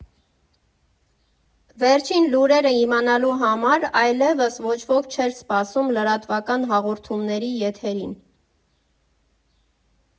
Վերջին լուրերը իմանալու համար այլևս ոչ ոք չէր սպասում լրատվական հաղորդումների եթերին։